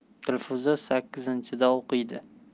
dilfuza sakkizinchida o'qiydi